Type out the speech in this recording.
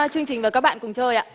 chương trình và các bạn cùng chơi ạ